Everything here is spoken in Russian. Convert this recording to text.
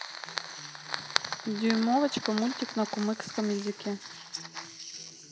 дюймовочка мультик на кумыкском языке